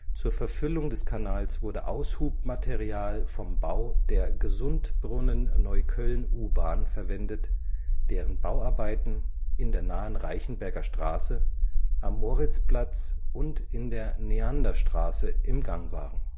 Zur Verfüllung des Kanals wurde Aushubmaterial vom Bau der Gesundbrunnen-Neukölln-U-Bahn (GN-Bahn, spätere U-Bahnlinie 8) verwendet, deren Bauarbeiten in der nahen Reichenberger Straße, am Moritzplatz und in der Neanderstraße (seit 1960 Heinrich-Heine-Straße) im Gang waren